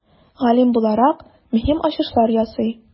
Галим буларак, мөһим ачышлар ясый.